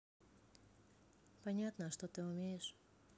понятно а что ты умеешь